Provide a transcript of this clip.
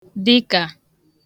dịkà